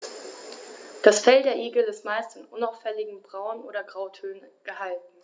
Das Fell der Igel ist meist in unauffälligen Braun- oder Grautönen gehalten.